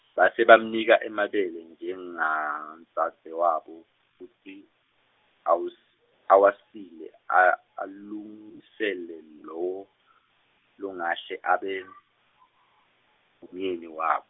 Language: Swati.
base bamnika emabele njengadzadzewabo, kutsi, awus-, awasile, a- alungisele lowo, longahle abe, ngumyeni wab-.